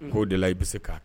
K'o de la i bɛ se kan